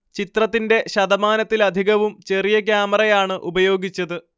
ചിത്രത്തിന്റെ ശതമാനത്തിലധികവും ചെറിയ ക്യാമറയാണ് ഉപയോഗിച്ചത്